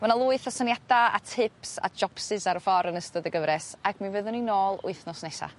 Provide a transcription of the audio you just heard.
ma' 'na lwyth o syniada a tips at jopsys ar y ffor yn ystod y gyfres ac mi fyddwn ni nôl wythnos nesa.